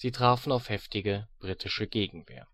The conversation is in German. trafen auf heftige britische Gegenwehr